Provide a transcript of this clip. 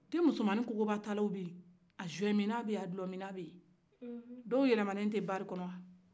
musomani dulɔ minaw ben a kokoba talaw ben dɔw yɛlɛ ma ne tɛ dulɔ min yɔrɔ la